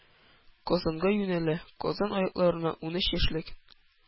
Казанга юнәлә, «Казан якларына унөч яшьлек